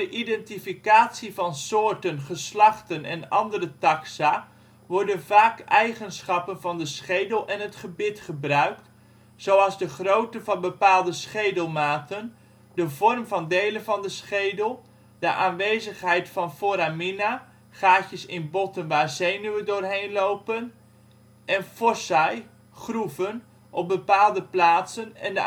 identificatie van soorten, geslachten en andere taxa worden vaak eigenschappen van de schedel en het gebit gebruikt, zoals de grootte van bepaalde schedelmaten, de vorm van (delen van) de schedel, de aanwezigheid van foramina (gaatjes in botten waar zenuwen doorheen lopen) en fossae (groeven) op bepaalde plaatsen en